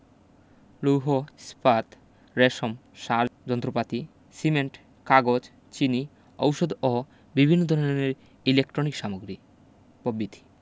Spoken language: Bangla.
লৌহ ইস্পাত রেশম সার যন্ত্রপাতি সিমেন্ট কাগজ চিনি ঔষধ ও বিভিন্ন ধরনের ইলেকট্রনিক সামগ্রী পভিতি